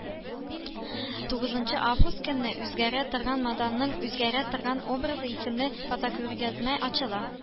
Тугызынчы август көнне “Үзгәрә торган моданың үзгәрә торган образы” исемле фотокүргәзмә ачыла